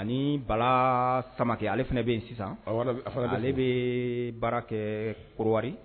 Ani bala samakɛ ale fana bɛ yen sisan a ale bɛ baara kɛ korowa